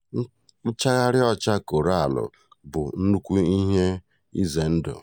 Nchagharị ọcha Koraalụ bụ nnukwu ihe ize ndụ.